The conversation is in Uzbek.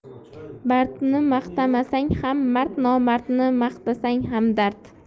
mardni maqtamasang ham mard nomardni maqtasang ham dard